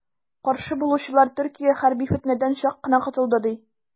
Каршы булучылар, Төркия хәрби фетнәдән чак кына котылды, ди.